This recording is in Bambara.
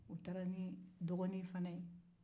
a taara ni dɔgɔni fana ye